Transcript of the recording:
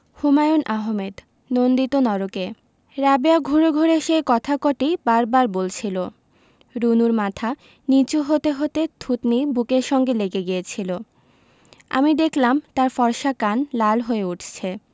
হুমায়ুন আহমেদ নন্দিত নরকে রাবেয়া ঘুরে ঘুরে সেই কথা কটিই বার বার বলছিলো রুনুর মাথা নীচু হতে হতে থুতনি বুকের সঙ্গে লেগে গিয়েছিলো আমি দেখলাম তার ফর্সা কান লাল হয়ে উঠছে